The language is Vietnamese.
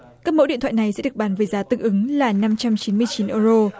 các mẫu điện thoại này sẽ được bán với giá tương ứng là năm trăm chín mươi chín ơ rô